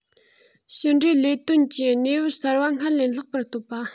ཕྱི འབྲེལ ལས དོན གྱི གནས བབ གསར པ སྔར ལས ལྷག པར གཏོད པ